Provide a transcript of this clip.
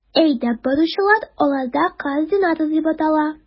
Әйдәп баручылар аларда координатор дип атала.